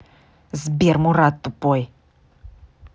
сбер мурат тупой